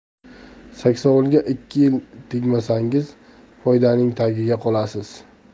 saksovulga ikki yil tegmasangiz foydaning tagida qolasiz